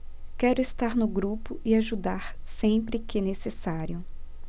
quero estar no grupo e ajudar sempre que necessário